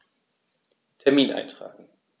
Termin eintragen